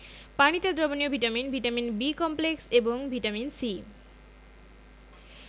পানিতে দ্রবণীয় vitamin vitamin B complex এবং ভিটামিন C